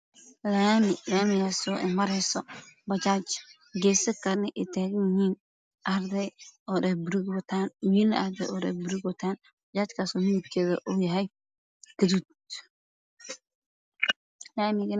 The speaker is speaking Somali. laami laamigaas oo mareyso bajaaj